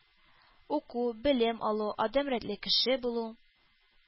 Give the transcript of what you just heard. Уку, белем алу, адәм рәтле кеше булу.